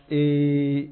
Ee